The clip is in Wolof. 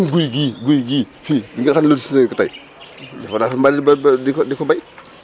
guy gii guy gii fii nga xam ni lotissé nañu ko tey defoon naa fi mbalit ba ba di ko bay